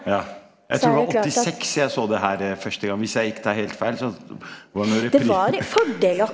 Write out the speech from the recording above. ja, jeg tror det var 86 jeg så det her første gang, hvis jeg ikke tar helt feil så var det noe .